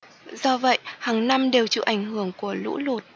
do vậy hàng năm đều chịu ảnh hưởng của lũ lụt